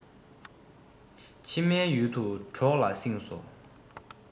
ཕྱི མའི ཡུལ དུ གྲོགས ལ བསྲིངས སོ